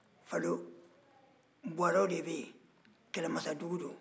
falo buwarɛw de bɛ yen kɛlɛmasadugu don